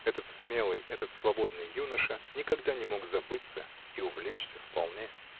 этот смелый, этот свободный юноша никогда не мог забыться и увлечься вполне.